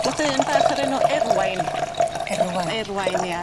Blodyn bach o'r enw Erwain. Erwain. Erwain ia.